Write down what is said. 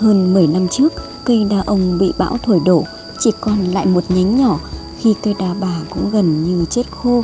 hơn năm trước cây đa ông bị bão thổi đổ chỉ còn lại một nhánh nhỏ khi cây đa bà cũng gần như chết khô